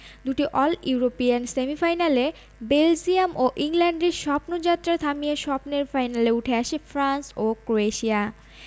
দুটি all European সেমিফাইনালে Belgium ও ইংল্যান্ডের স্বপ্নযাত্রা থামিয়ে স্বপ্নের ফাইনালে উঠে আসে ফ্রান্স ও ক্রোয়েশিয়া